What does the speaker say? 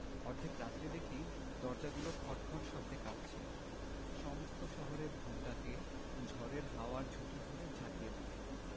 অর্ধেক রাত্রে দেখি দরজাগুলো খটখট শব্দে কাঁপছে সমস্ত শহরের ঘুমটাকে ঝড়ের হাওয়া ঝুঁটি ধরে ঝাঁকিয়ে দিলে